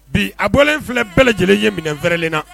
Bi a bɔlen filɛ bɛɛ lajɛlen ye minɛn fɛrɛrɛnnen na